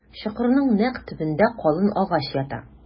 Чокырның нәкъ төбендә калын агач ята.